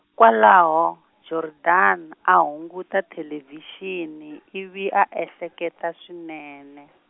kwalaho, Jordaan a hunguta thelevhixini ivi a ehleketa swinene.